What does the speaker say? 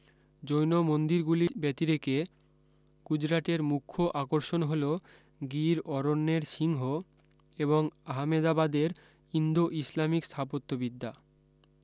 জৈন মন্দিরগুলি ব্যাতিরেকে গুজরাটের মুখ্য আকর্ষণ হল গির অরণ্যের সিংহ এবং আহমেদাবাদের ইন্দো ইসলামিক স্থাপত্যবিদ্যা